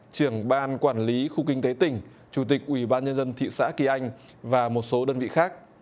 trưởng ban quản lý khu kinh tế tỉnh chủ tịch ủy ban nhân dân thị xã kỳ anh và một số đơn vị khác